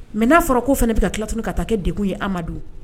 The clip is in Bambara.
Mais n'a fɔra k'o fana bɛ ka tila ka taa kɛ degun ye an ma dun?